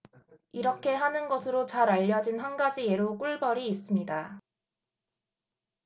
이렇게 하는 것으로 잘 알려진 한 가지 예로 꿀벌이 있습니다